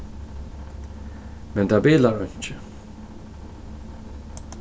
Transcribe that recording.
men tað bilar einki